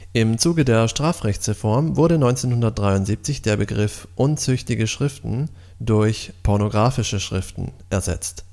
Im Zuge der Strafrechtsreform wurde 1973 der Begriff unzüchtige Schriften durch pornografische Schriften ersetzt